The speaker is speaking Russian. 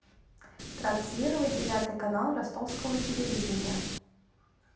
транслировать девятый канал ростовского телевидения